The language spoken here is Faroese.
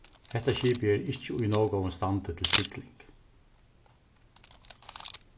hetta skipið er ikki í nóg góðum standi til sigling